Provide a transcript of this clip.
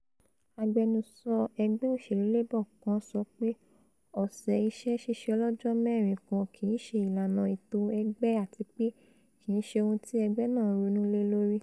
Agbẹnusọ Ẹgbẹ́ Òṣèlú Labour kan sọ pé: 'Ọ̀sẹ̀ iṣẹ́-ṣíṣe ọlọ́jọ́-mẹ́rin kan kìí ṣe ìlànà ètò ẹgbẹ́ àtipé kì i ṣe ohun tí ẹgbẹ́ náà ńronú lé lórí.'